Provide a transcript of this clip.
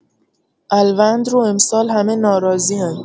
الوند رو امسال همه ناراضی‌ان